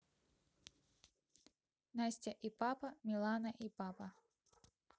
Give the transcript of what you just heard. настя и папа милана и папа